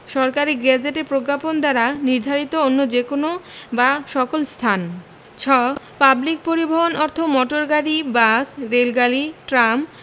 সরকারী গেজেটে প্রজ্ঞাপন দ্বারা নির্ধারিত অন্য যে কোন বা সকল স্থান ছ পাবলিক পরিবহণ অর্থ মোটর গাড়ী বাস রেলগাড়ী ট্রাম